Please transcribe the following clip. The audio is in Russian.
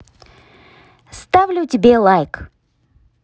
ставлю тебе лайк